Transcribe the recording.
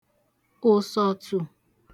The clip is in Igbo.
ụ̀sọ̀tụ̀